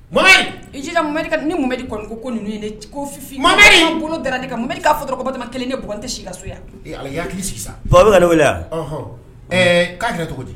I ji mamari ni mun ko kofin mamari n bolo da munri k'a fɔ kelen ye b gan tɛ sika soya hakili sisan baba bɛ wele k'a cogo di